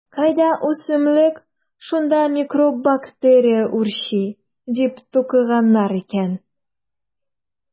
Кайда үсемлек - шунда микроб-бактерия үрчи, - дип тукыганнар икән.